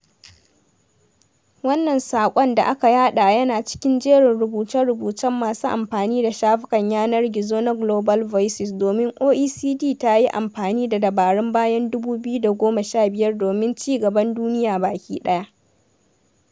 Wannan saƙon da aka yaɗa yana cikin jerin rubuce-rubucen masu amfani da shafukan yanar gizona Global Voices domin OECD ta yi amfani da dabarun bayan 2015 domin ci gaban duniya baki ɗaya.